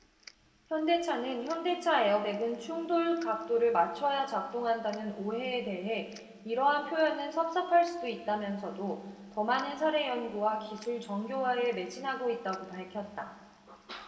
현대차는 현대차 에어백은 충돌 각도를 맞춰야 작동한다는 오해에 대해 이러한 표현은 섭섭할 수도 있다면서도 더 많은 사례 연구와 기술 정교화에 매진하고 있다고 밝혔다